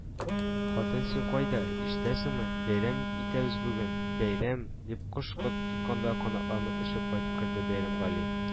— хатын, син кайда... ишетәсеңме, бәйрәм итәбез бүген, бәйрәм, -дип, кош тоткандай канатланып, очып кайтып керде бәйрәмгали